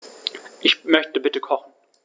Ich möchte bitte kochen.